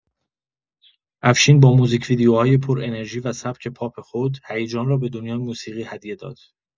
افشین با موزیک‌ویدئوهای پرانرژی و سبک پاپ خود، هیجان را به دنیای موسیقی هدیه داد.